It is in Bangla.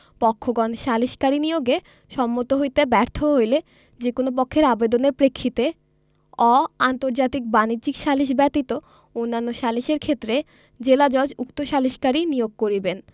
পক্ষগণ সালিসকারী নিয়োগে সম্মত হইতে ব্যর্থ হইলে যে কোন পক্ষের আবেদনের প্রেক্ষিতে অ আন্তর্জাতিক বাণিজ্যিক সালিস ব্যতীত অন্যান্য সালিসের ক্ষেত্রে জেলাজজ উক্ত সালিসকারী নিয়োগ করিবেন